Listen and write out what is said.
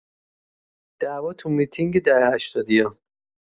دعوا تو میتینگ دهه هشتادیا